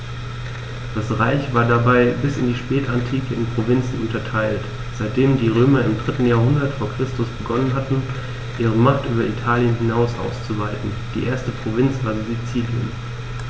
Das Reich war dabei bis in die Spätantike in Provinzen unterteilt, seitdem die Römer im 3. Jahrhundert vor Christus begonnen hatten, ihre Macht über Italien hinaus auszuweiten (die erste Provinz war Sizilien).